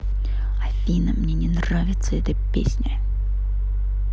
афина мне не нравится эта песня